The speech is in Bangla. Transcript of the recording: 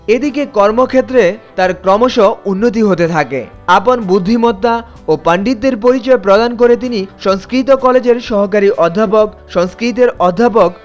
এদিকে কর্মক্ষেত্রের তার ক্রমশ উন্নতি হতে থাকে আপন বুদ্ধিমত্তা ও পাণ্ডিত্যের পরিচয় প্রদান করে তিনি সংস্কৃত কলেজে সহকারী অধ্যাপক সংস্কৃতের অধ্যাপক